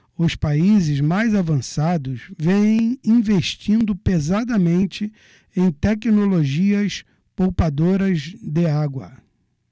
os países mais avançados vêm investindo pesadamente em tecnologias poupadoras de água